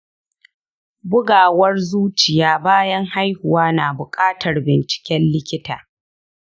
bugawar zuciya bayan haihuwa na bukatar binciken likita.